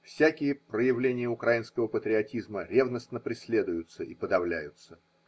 Всякие проявления украинского патриотизма ревностно преследуются и подавляются.